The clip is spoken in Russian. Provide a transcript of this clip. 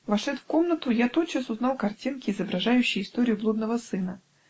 Вошед в комнату, я тотчас узнал картинки, изображающие историю блудного сына